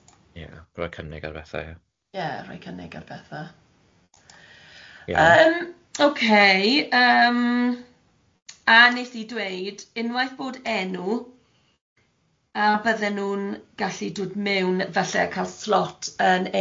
Ie, rhoi cynnig ar bethau ie. Ie, rhoi cynnig ar bethau. yym ok yym a nes i dweud unwaith bod enw a bydden nhw'n gallu dod mewn falle a cal slot yn ein